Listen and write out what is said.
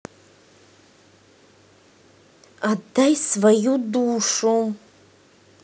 отдай свою душу